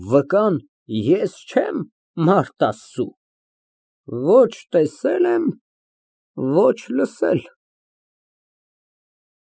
Վկան ես չե՞մ, մարդ Աստծո, ոչ տեսել եմ, ոչ լսել։